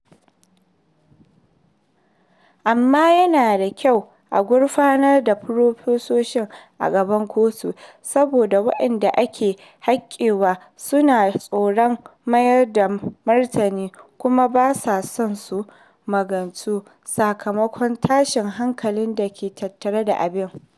Amma yana da wuya a gurfanar da farfesoshin a gaban kotu saboda waɗanda ake haikewan su na tsoron mayar da martani kuma ba sa son su magantu sakamakon tashin hankalin da ke tattare da abin.